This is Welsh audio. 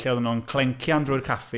Lle oeddan nhw'n clencian drwy'r caffi.